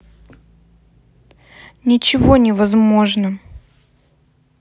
ничего невозможно